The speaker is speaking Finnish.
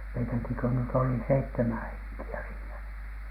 meitäkin kun nyt oli seitsemän henkeä siinä